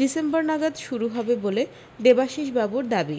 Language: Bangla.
ডিসেম্বর নাগাদ শুরু হবে বলে দেবাশিসবাবুর দাবি